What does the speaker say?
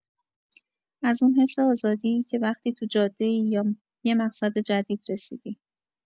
از اون حس آزادی که وقتی تو جاده‌ای یا یه مقصد جدید رسیدی.